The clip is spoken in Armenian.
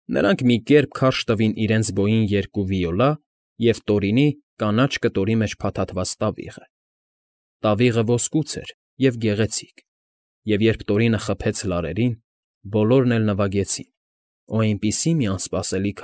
Նրանք մի կերպ քարշ տվեցին իրենց բոյին երկու վիոլա և Տորինի՝ կանաչ կտորի մեջ փաթաթած տավիղը. տավիղը ոսկուց էր ու գեղեցիկ, և երբ Տորինը խփեց լարերին, բոլորն էլ նվագեցին ու այնպիսի մի անսպասելի։